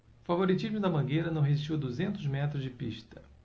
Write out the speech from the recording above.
o favoritismo da mangueira não resistiu a duzentos metros de pista